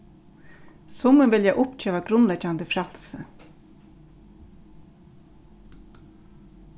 summi vilja uppgeva grundleggjandi frælsið